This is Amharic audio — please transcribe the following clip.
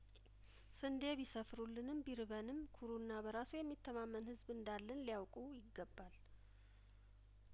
ስንዴ ቢሰፍሩልንም ቢርበንም ኩሩና በራሱ የሚተማመን ህዝብ እንዳለን ሊያውቁ ይገባል